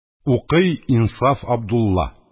Укый Инсаф Абдулла